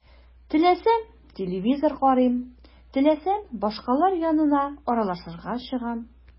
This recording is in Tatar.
Теләсәм – телевизор карыйм, теләсәм – башкалар янына аралашырга чыгам.